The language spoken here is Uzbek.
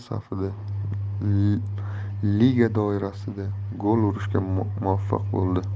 safida liga doirasida gol urishga muvaffaq bo'ldi